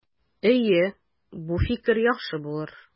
Әйе, бу фикер яхшы булыр.